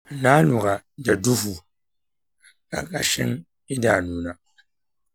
na lura da duhu a ƙarƙashin idanuna.